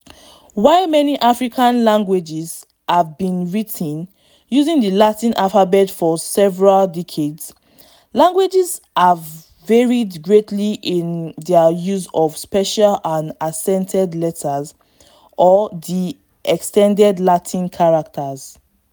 While many African languages have been written using the Latin alphabet for several decades, languages have varied greatly in their use of special and accented letters, or the “extended” Latin characters.